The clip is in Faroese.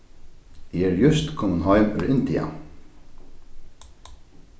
eg eri júst komin heim úr india